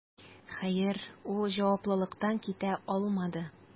Хәер, ул җаваплылыктан китә алмады: